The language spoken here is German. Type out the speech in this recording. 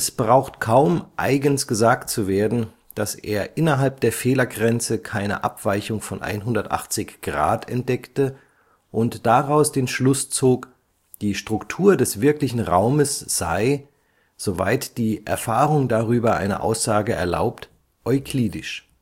braucht kaum eigens gesagt zu werden, daß er innerhalb der Fehlergrenze keine Abweichung von 180° entdeckte und daraus den Schluß zog, die Struktur des wirklichen Raumes sei, soweit die Erfahrung darüber eine Aussage erlaubt, Euklidisch